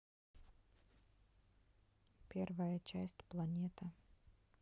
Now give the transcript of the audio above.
первая часть планета